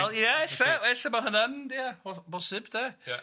Wel ie ella, ella bod hynna'n, ia holl- bosib de, ia.